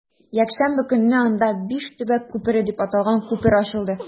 Якшәмбе көнне анда “Биш төбәк күпере” дип аталган күпер ачылды.